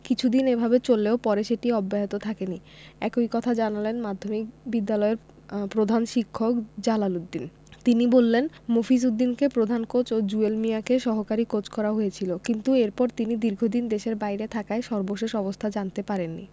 কিছুদিন এভাবে চললেও পরে সেটি অব্যাহত থাকেনি একই কথা জানালেন মাধ্যমিক বিদ্যালয়ের প্রধান শিক্ষক জালাল উদ্দিন তিনি বলেন মফিজ উদ্দিনকে প্রধান কোচ ও জুয়েল মিয়াকে সহকারী কোচ করা হয়েছিল কিন্তু এরপর তিনি দীর্ঘদিন দেশের বাইরে থাকায় সর্বশেষ অবস্থা জানতে পারেননি